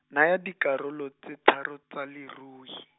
naya dikarolo tse tharo tsa lerui.